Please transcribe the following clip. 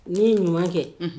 N'ii ye